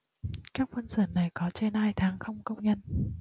các phân xưởng này có trên hai tháng không công nhân